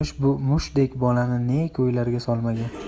turmush bu mushtdek bolani ne ko'ylarga solmagan